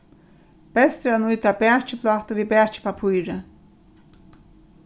best er at nýta bakiplátu við bakipappíri